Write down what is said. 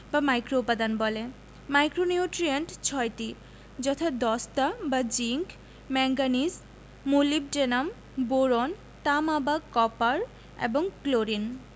বা মাইক্রোউপাদান বলে মাইক্রোনিউট্রিয়েন্ট ৬টি যথা দস্তা বা জিংক ম্যাংগানিজ মোলিবডেনাম বোরন তামা বা কপার এবং ক্লোরিন